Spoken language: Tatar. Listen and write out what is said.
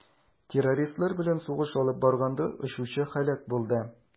Террористлар белән сугыш алып барганда очучы һәлак булды.